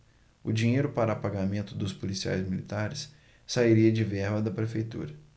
o dinheiro para pagamento dos policiais militares sairia de verba da prefeitura